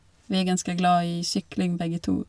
Vi er ganske glad i sykling begge to.